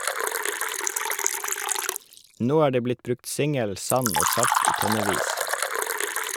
Nå er det blitt brukt singel, sand og salt i tonnevis.